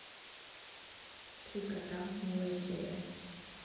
три кота новая серия